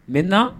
Mɛn